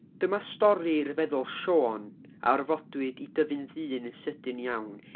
'Dyma stori ryfeddol Siôn, a orfodwyd i dyfu'n ddyn yn sydyn iawn,'